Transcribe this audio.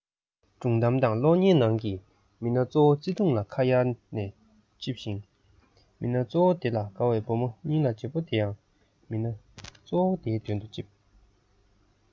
སྒྲུང གཏམ དང གློག བརྙན ནང གི མི སྣ གཙོ བོ བརྩེ དུང ལ ཁ གཡར ནས ལྕེབས ཤིང མི སྣ གཙོ བ དེ ལ དགའ བའི བུ མོ སྙིང ལ རྗེ བོ དེ ཡང མི སྣ གཙོ བོ དེའི དོན དུ ལྕེབས